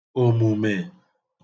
òmùmè